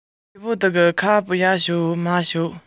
དུས སུ ཟེར བ རེད ཟེར